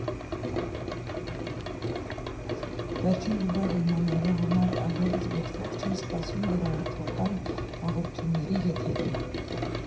Վերջին լուրերը իմանալու համար այլևս ոչ ոք չէր սպասում լրատվական հաղորդումների եթերին։